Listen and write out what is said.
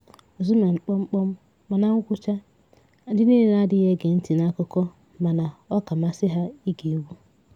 Xuman: Ma na ngwucha, ndị niile n'adịghị ege ntị n'akụkọ mana ọ ka masị ha ige egwu.